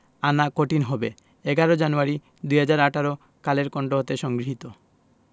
আনা কঠিন হবে ১১ জানুয়ারি ২০১৮ কালের কন্ঠ হতে সংগৃহীত